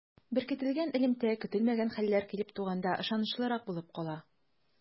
Беркетелгән элемтә көтелмәгән хәлләр килеп туганда ышанычлырак булып кала.